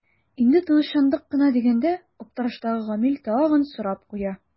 Инде тынычландык кына дигәндә аптыраштагы Гамил тагын сорап куя.